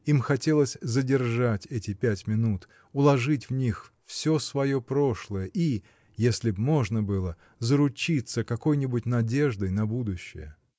Им хотелось задержать эти пять минут, уложить в них всё свое прошлое — и — если б можно было — заручиться какой-нибудь надеждой на будущее!